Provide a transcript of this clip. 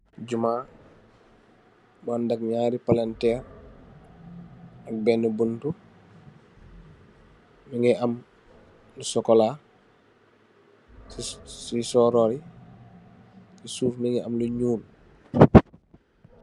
Juma bu andak naari palanteer ak benn buntu. Nungi am lu sokola ci sodorr yi. Ci suuf mungi am lu ñuul.